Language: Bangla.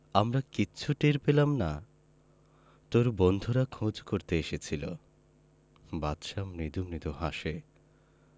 আমরা কিচ্ছু টের পেলাম না তোর বন্ধুরা খোঁজ করতে এসেছিলো বাদশা মৃদু মৃদু হাসে